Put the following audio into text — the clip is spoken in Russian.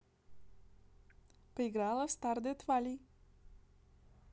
поиграла в stardew valley